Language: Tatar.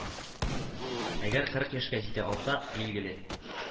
Әгәр кырык яшькә җитә алса, билгеле